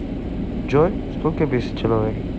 джой сколько весит человек